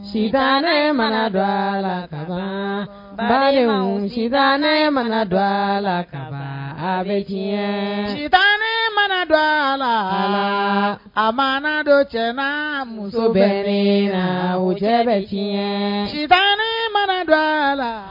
Si ne mana dɔ a la ka fa si ne mana dɔ a la ka bɛ diɲɛ mana dɔ a la a ma dɔ cɛ muso bɛ la o cɛ bɛ si ne mana dɔ a la